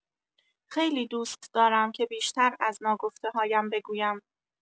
خیلی دوست دارم که بیشتر از ناگفته‌هایم بگویم.